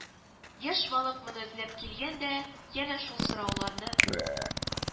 Яшь балык моны эзләп килгән дә янә шул сорауларны